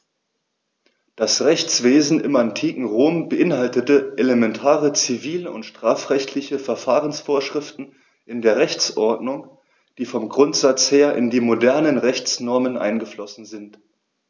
Das Rechtswesen im antiken Rom beinhaltete elementare zivil- und strafrechtliche Verfahrensvorschriften in der Rechtsordnung, die vom Grundsatz her in die modernen Rechtsnormen eingeflossen sind.